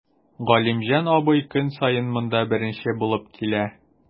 Галимҗан абый көн саен монда беренче булып килә.